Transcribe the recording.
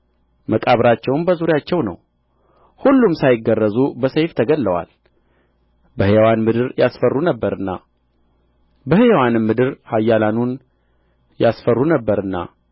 መቃብራቸውም በዙሪያቸው ነው ሁሉም ሳይገረዙ በሰይፍ ተገድለዋል በሕያዋን ምድር ያስፈሩ ነበርና በሕያዋንም ምድር ኃያላኑን ያስፈሩ ነበርና